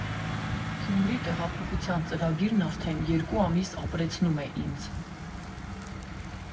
Գյումրի տեղափոխության ծրագիրն արդեն երկու ամիս ապրեցնում է ինձ։